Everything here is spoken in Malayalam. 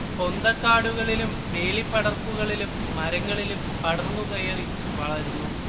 പൊന്തക്കാടുകളിലും വേലിപ്പടർപ്പുകളിലും മരങ്ങളിലും പടർന്നു കയറി വളരുന്നു